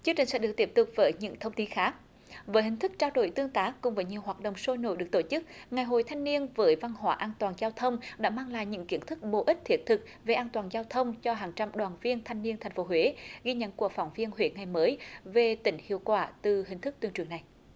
chương trình sẽ được tiếp tục với những thông tin khác về hình thức trao đổi tương tác cùng với nhiều hoạt động sôi nổi được tổ chức ngày hội thanh niên với văn hóa an toàn giao thông đã mang lại những kiến thức bổ ích thiết thực về an toàn giao thông cho hàng trăm đoàn viên thanh niên thành phố huế ghi nhận của phóng viên huế ngày mới về tính hiệu quả từ hình thức tuyên truyền này